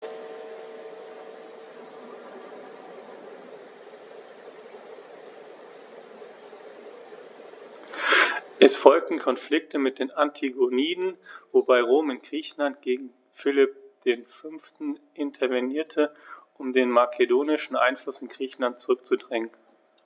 Es folgten Konflikte mit den Antigoniden, wobei Rom in Griechenland gegen Philipp V. intervenierte, um den makedonischen Einfluss in Griechenland zurückzudrängen.